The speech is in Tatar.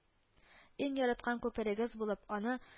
Иң яраткан күперегез булып, аны